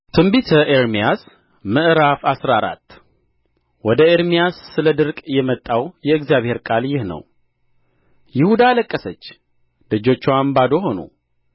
ትንቢተ ኤርምያስ ምዕራፍ አስራ አራት ወደ ኤርምያስ ስለ ድርቅ የመጣው የእግዚአብሔር ቃል ይህ ነው ይሁዳ አለቀሰች ደጆችዋም ባዶ ሆኑ